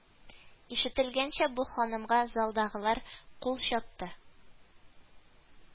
Ишетелгәнчә бу ханымга залдагылар кул чапты